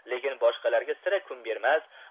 lekin boshqalarga sira kun bermas